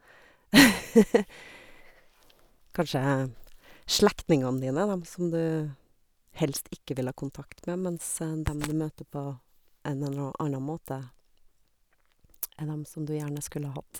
Kanskje slektningene dine er dem som du helst ikke vil ha kontakt med, mens dem du møter på en nenra anna måte er dem som du gjerne skulle hatt...